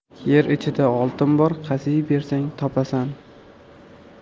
yer ichida oltin bor qaziy bersang topasan